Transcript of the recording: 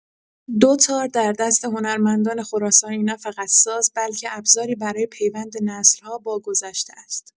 دوتار در دست هنرمندان خراسانی نه‌فقط ساز، بلکه ابزاری برای پیوند نسل‌ها با گذشته است.